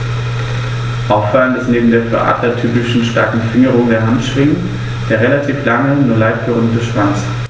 Auffallend ist neben der für Adler typischen starken Fingerung der Handschwingen der relativ lange, nur leicht gerundete Schwanz.